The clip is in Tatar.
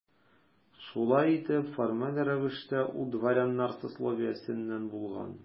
Шулай итеп, формаль рәвештә ул дворяннар сословиесеннән булган.